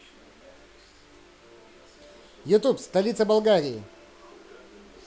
youtube столица болгарии